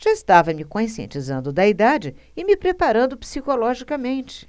já estava me conscientizando da idade e me preparando psicologicamente